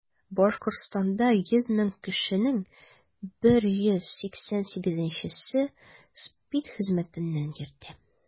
Башкортстанда 100 мең кешенең 166-сы СПИД зәхмәтен йөртә.